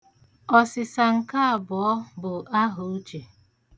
Ọsịsa nke abụọ bụ ahauche.